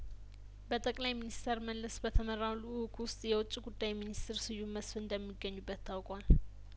በጠቅለይ ሚንስተር መለስ በተመራው ልኡክ ውስጥ የውጭ ጉዳይ ሚኒስትሩ ስዩም መስፍን እንደሚገኙበት ታውቋል